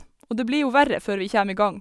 Og det blir jo verre før vi kjem i gang.